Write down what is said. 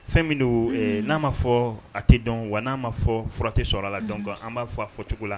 Fɛn min don n'an'a fɔ a tɛ dɔn wa n'ana ma' fɔ furakɛ tɛ sɔrɔ la dɔn an b'a fɔ a fɔcogo la